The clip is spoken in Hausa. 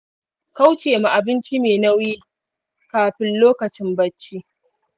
kaucema abinci mai nauyi kafin lokacin bacci